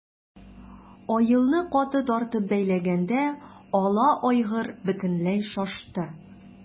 Аелны каты тартып бәйләгәндә ала айгыр бөтенләй шашты.